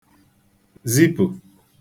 zipụ̀